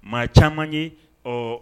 Maa caman ye ɔ